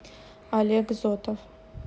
олег зотов